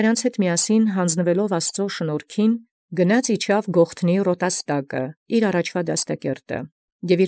Որովք յանձն եղեալ երանելին շնորհացն Աստուծոյ, երթեալ իջանէր յՌոտաստակն Գողթան, յառաջին դաստակերտն իւր։